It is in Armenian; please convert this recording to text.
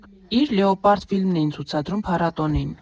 Իր «Լեոպարդ» ֆիլմն էին ցուցադրում փառատոնին։